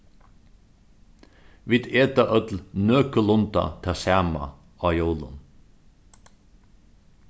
vit eta øll nøkulunda tað sama á jólum